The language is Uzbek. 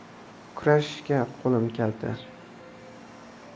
kurashishga qo'lim kalta